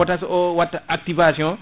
potasse o watta activation